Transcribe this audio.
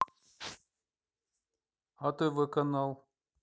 атв канал